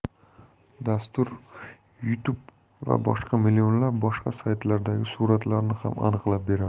dastur youtube va boshqa millionlab boshqa saytlardagi suratlarni ham aniqlab beradi